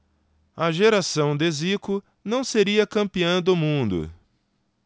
a geração de zico não seria campeã do mundo